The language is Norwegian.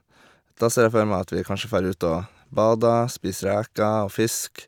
Da ser jeg for meg at vi kanskje fær ut og bader, spiser reker og fisk.